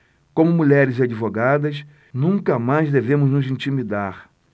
como mulheres e advogadas nunca mais devemos nos intimidar